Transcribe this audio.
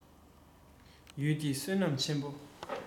ཡུལ འདི བསོད ནམས ཆེན པོ